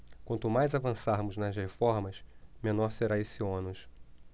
quanto mais avançarmos nas reformas menor será esse ônus